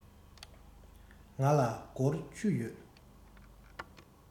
ང ལ སྒོར བཅུ ཡོད